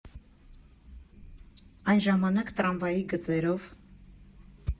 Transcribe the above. Այն ժամանակ՝ տրամվայի գծերով։